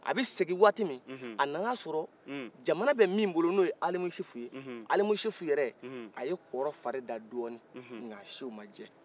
a bɛ segin waati min a nana sɔrɔ jamana bɛ min bolo n'o ye alimusufu ye alimusufu yɛrɛ a ye kɔrɔ farida dɔni nka a siw ma jɛ